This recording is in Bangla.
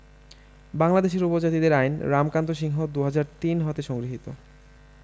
বাংলাদেশের উপজাতিদের আইন রামকান্ত সিংহ ২০০৩ হতে সংগৃহীত